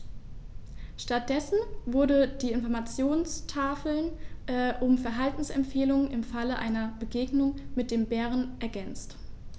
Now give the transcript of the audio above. Stattdessen wurden die Informationstafeln um Verhaltensempfehlungen im Falle einer Begegnung mit dem Bären ergänzt.